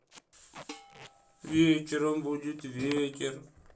вечером будет ветер